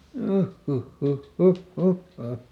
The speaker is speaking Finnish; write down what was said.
juh huh huh huh huh ha